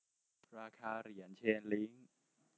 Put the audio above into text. ราคาเหรียญเชนลิ้ง